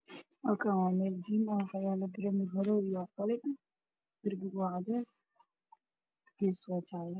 Halakan mrl jim ah boro madow io qalin darbiga waa cades gees waa jale